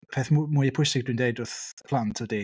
peth m- mwya pwysig dwi'n dweud wrth plant ydy